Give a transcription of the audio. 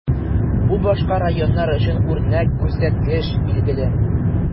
Бу башка районнар өчен үрнәк күрсәткеч, билгеле.